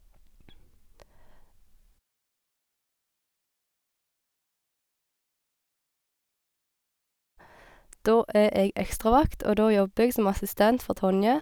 Da er jeg ekstravakt, og da jobber jeg som assistent for Tonje.